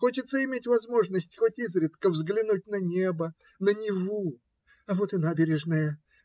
хочется иметь возможность хоть изредка взглянуть на небо, на Неву. Вот и набережная.